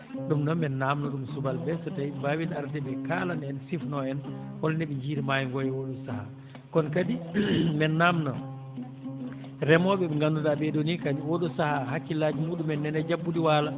ɗum noon mbiɗa naamndo ɗum subalɓe ɓe so tawii ɓe mbawiino arde ɓe kaalana en sifanoo en holno ɓe njiyiri maayo ngoo e oo ɗoo sahaa kono kadi men naamndoo remooɓe ɓe ngannduɗaa ɓee ɗoo nii kañum oo ɗoo sahaa hakkillaaji muɗumen nani e jabbude waalo